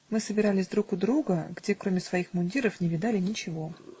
мы собирались друг у друга, где, кроме своих мундиров, не видали ничего.